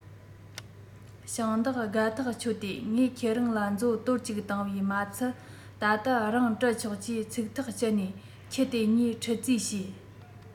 ཞིང བདག དགའ ཐག ཆོད དེ ངས ཁྱེད རང ལ མཛོ དོར གཅིག བཏང བས མ ཚད ད ལྟ རང སྤྲད ཆོག ཅེས ཚིག ཐག བཅད ནས ཁྱི དེ གཉིས ཁྲིད ཙིས བྱས